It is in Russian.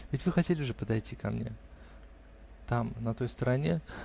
Ведь вы хотели же подойти ко мне? -- Там, на той стороне?